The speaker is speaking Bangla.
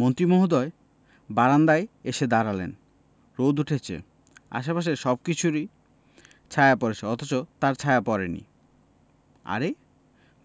মন্ত্রী মহোদয় বারান্দায় এসে দাঁড়ালেন রোদ উঠেছে আশপাশের সবকিছুর ছায়া পড়েছে অথচ তাঁর ছায়া পড়েনি আরে